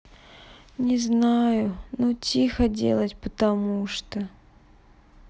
не знаю ну тихо делать потому что